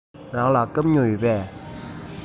རང ལ སྐམ སྨྱུག ཡོད པས